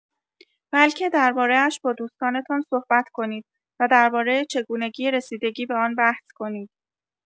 بلکه درباره‌اش با دوستانتان صحبت کنید و درباره چگونگی رسیدگی به آن بحث کنید.